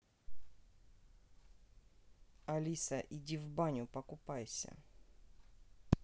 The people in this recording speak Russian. алиса иди в баню покупайся